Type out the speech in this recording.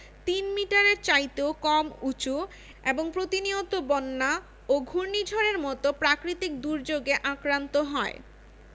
তিন মিটারের চাইতেও কম উঁচু এবং প্রতিনিয়ত বন্যা ও ঘূর্ণিঝড়ের মতো প্রাকৃতিক দুর্যোগে আক্রান্ত হয়